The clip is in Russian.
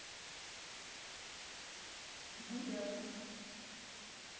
буряты